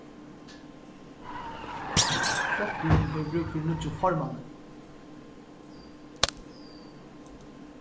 flokkurin hevur brúk fyri nýggjum formanni